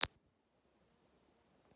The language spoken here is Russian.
покажи фотографии китов